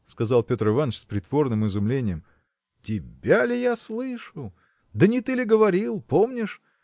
– сказал Петр Иваныч с притворным изумлением, – тебя ли я слышу? Да не ты ли говорил – помнишь?